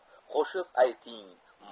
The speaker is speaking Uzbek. qo'shiq ayting